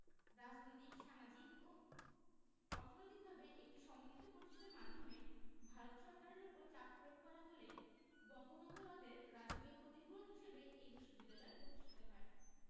রাজনৈতিক সামাজিক ও অর্থনৈতিকভাবে একটি সমন্বিত প্রচেষ্টার মাধ্যমে ভারত সরকারের ওপর চাপ প্রয়োগ করা হলে বঙ্গভঙ্গ রদের রাজকীয় ক্ষতিপূরণ হিসেবে এ বিশ্ববিদ্যালয় প্রতিষ্ঠিত হয়